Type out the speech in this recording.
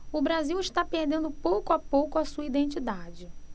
o brasil está perdendo pouco a pouco a sua identidade